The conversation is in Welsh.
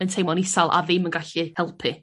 yn teimlo'n isal a ddim yn gallu helpu.